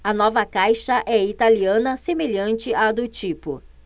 a nova caixa é italiana semelhante à do tipo